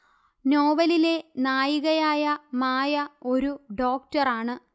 നോവലിലെ നായികയായ മായ ഒരു ഡോക്ടറാണ്